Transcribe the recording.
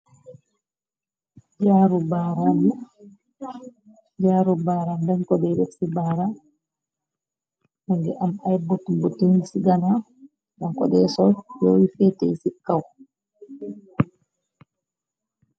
Jaaru baaran dañ ko be reg ci baara nangi am ay butum bu ting ci gana dan ko deesol yooyu féetey ci kaw.